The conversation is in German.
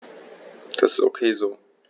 Das ist ok so.